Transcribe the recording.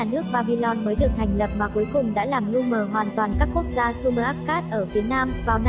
babylon mới được thành lập mà cuối cùng đã làm lu mờ hoàn toàn các quốc gia sumerakkad ở phía nam